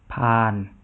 ผ่าน